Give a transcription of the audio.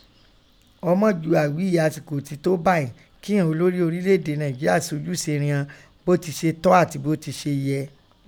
Ọmọjugha ghí i àsìkò ti to baín ki ìghọn olori ọrile ede Nainjeria se ojuse rian bọ́ ti se tọ́ àti bọ́ ti se yẹ.